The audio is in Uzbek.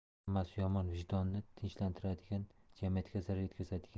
hammasi yomon vijdonni tinchlantiradigan jamiyatga zarar etkazadigan